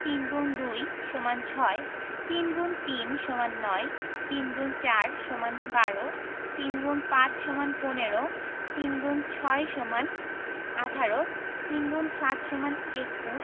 ৩ X ২ = ৬ ৩ × ৩ = ৯ ৩ X ৪ = ১২ ৩ X ৫ = ১৫ ৩ x ৬ = ১৮ ৩ × ৭ = ২১